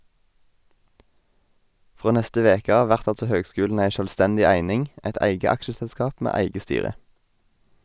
Frå neste veke av vert altså høgskulen ei sjølvstendig eining, eit eige aksjeselskap med eige styre.